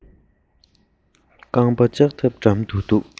རྐང པ ལྕགས ཐབ འགྲམ དུ འདུག